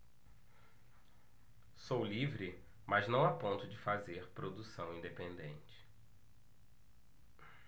sou livre mas não a ponto de fazer produção independente